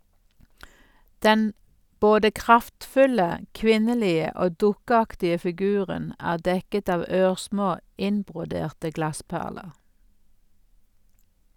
Den både kraftfulle, kvinnelige og dukkeaktige figuren er dekket av ørsmå, innbroderte glassperler.